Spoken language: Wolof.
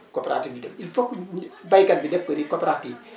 coopérative bi du dem il faut que ñu béykat bi def ko ni coopérative bi